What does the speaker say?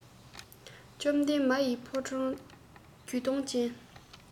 བཅོམ ལྡན མ ཡི ཕང འགྲོ རྒྱུད སྟོང ཅན